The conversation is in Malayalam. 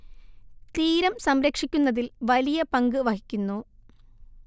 തീരം സംരക്ഷിക്കുന്നതിൽ വലിയ പങ്ക് വഹിക്കുന്നു